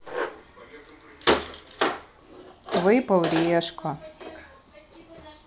выпал решка